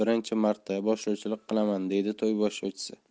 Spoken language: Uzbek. birinchi marta boshlovchilik qilaman deydi to'y boshlovchisi